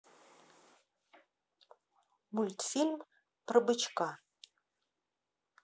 мультфильм про бычка